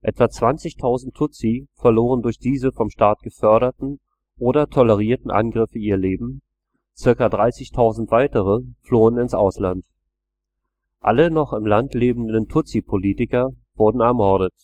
Etwa 20.000 Tutsi verloren durch diese vom Staat geförderten oder tolerierten Angriffe ihr Leben, zirka 30.000 weitere flohen ins Ausland. Alle noch im Land lebenden Tutsi-Politiker wurden ermordet